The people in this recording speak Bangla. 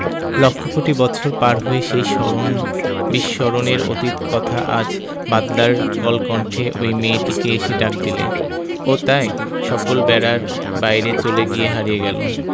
লক্ষ কোটি বছর পার হয়ে সেই স্মরণ বিস্মরণের অতীত কথা আজ বাদলার কলকণ্ঠে ঐ মেয়েটিকে এসে ডাক দিলে ও তাই সকল বেড়ার বাইরে চলে গিয়ে হারিয়ে গেল